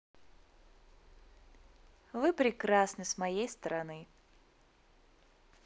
вы прекрасны с моей стороны